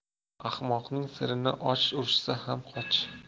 ahmoqning sirini och urishsa qoch